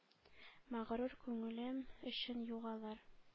Мәгърур күңлем өчен юк алар.